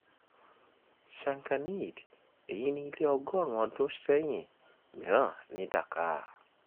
ShankhaNidh Èyí ni ilé ọgọ́rùn-ún ọdún sẹ́yìn mìíràn ní Dhaka.